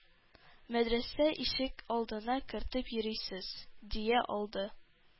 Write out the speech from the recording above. Мәдрәсә ишек алдына кертеп йөрисез? дия алды.